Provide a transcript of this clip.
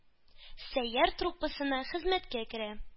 «сәйяр» труппасына хезмәткә керә.